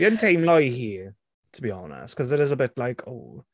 Fi yn teimlo i hi, to be honest, 'cause it is a bit like "Aw."